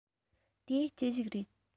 དེ ཅི ཞིག རེད